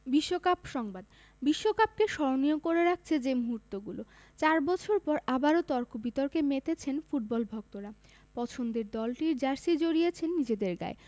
বিশ্বকাপ সংবাদ বিশ্বকাপকে স্মরণীয় করে রাখছে যে মুহূর্তগুলো চার বছর পর আবারও তর্ক বিতর্কে মেতেছেন ফুটবল ভক্তরা পছন্দের দলটির জার্সি জড়িয়েছেন নিজেদের গায়ে